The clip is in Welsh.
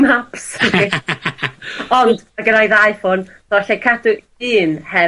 maps felly ond ma' gennai ddau ffôn so allai cadw un heb